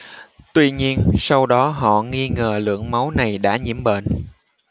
tuy nhiên sau đó họ nghi ngờ lượng máu này đã nhiễm bệnh